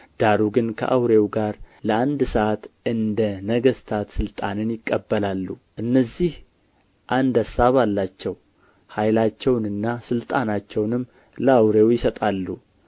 ዳሩ ግን ከአውሬው ጋር ለአንድ ሰዓት እንደ ነገሥታት ሥልጣንን ይቀበላሉ እነዚህ አንድ አሳብ አላቸው ኃይላቸውንና ሥልጣናቸውንም ለአውሬው ይሰጣሉ